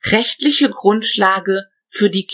Rechtliche Grundlage für die